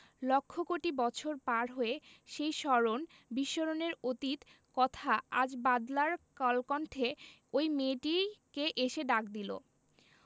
লক্ষ কোটি বছর পার হয়ে সেই স্মরণ বিস্মরণের অতীত কথা আজ বাদলার কলকণ্ঠে ঐ মেয়েটিকে এসে ডাক দিল